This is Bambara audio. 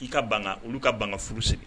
I ka ban ka olu ka ban furu siri